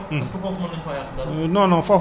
mais est ce que bu gàncax bi demee ba toll